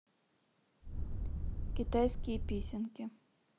китайские песенки